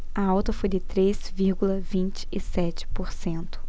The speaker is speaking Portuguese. a alta foi de três vírgula vinte e sete por cento